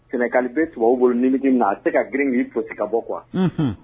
Sɛnɛkalife tu bolo nimiigin na a tɛ se ka grin k' fosi ka bɔ kuwa